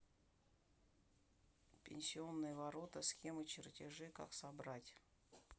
пенсионные ворота схемы чертежи как собрать